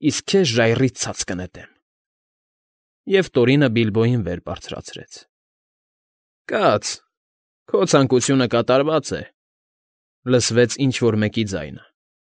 Իսկ քեզ ժայռից ցած կնետեմ։֊ Եվ Տորինը Բիլբոյին վեր բարձրացրեց։ ֊ Կաց, քո ցանկությունը կատարված է…֊ լսվեց ինչ֊որ մեկի ձայնը։